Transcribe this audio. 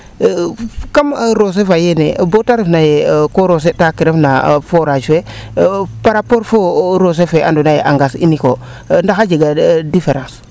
kam roose fa yeene bo te refna yee ko roose ta kee refna forage fee par rapport fo roose fe ando naye a ŋas unique o ndax a jega difference :far